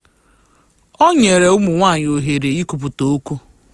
O nyere ụmụ nwaanyị ohere ikwupụta okwu.